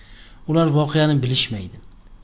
ular vokeani bilishmaydi